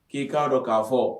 K'i k'a dɔn k'a fɔ